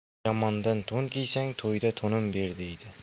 yomondan to'n kiysang to'yda to'nim ber deydi